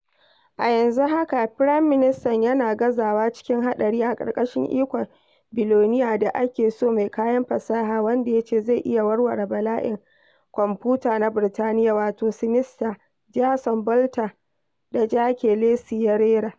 A yanzun haka, firaministan yana gazawa cikin haɗari a ƙarƙashin ikon biloniya da ake so mai kayan fasaha wanda ya ce zai iya warware bala'in kwamfuta na Birtaniyya: wato sinister Jason Volta, da Jake Lacy ya rera.